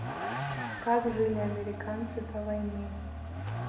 как жили американцы до войны